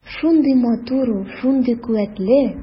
Шундый матур ул, шундый куәтле.